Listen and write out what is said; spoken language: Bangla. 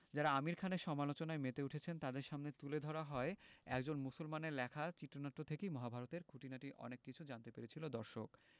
যাঁরা আমির খানের সমালোচনায় মেতে উঠেছেন তাঁদের সামনে তুলে ধরা হয় একজন মুসলমানের লেখা চিত্রনাট্য থেকেই মহাভারত এর খুঁটিনাটি অনেক কিছু জানতে পেরেছিল দর্শক